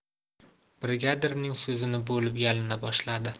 brigadirning so'zini bo'lib yalina boshladi